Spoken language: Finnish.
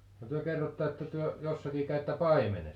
no te kerroitte että te jossakin kävitte paimenessa